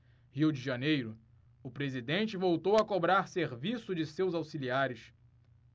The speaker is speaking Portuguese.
rio de janeiro o presidente voltou a cobrar serviço de seus auxiliares